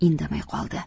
indamay qoldi